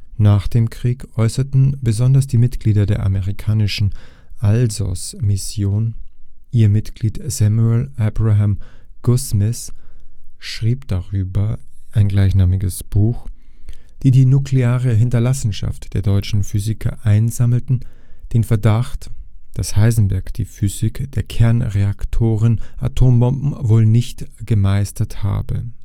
Nach dem Krieg äußerten besonders die Mitglieder der amerikanischen Alsos-Mission (ihr Mitglied Samuel Abraham Goudsmit schrieb darüber ein gleichnamiges Buch), die die nukleare „ Hinterlassenschaft “der deutschen Physiker einsammelten, den Verdacht, dass Heisenberg die Physik der Kernreaktoren/Atombomben wohl nicht gemeistert habe